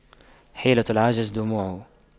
حيلة العاجز دموعه